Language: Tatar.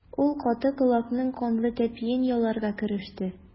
Ул каты колакның канлы тәпиен яларга кереште.